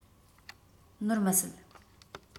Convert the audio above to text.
ནོར མི སྲིད